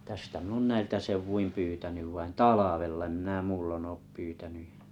tästä minä olen näiltä seuduin pyytänyt vain talvella en minä muulloin ole pyytänyt ja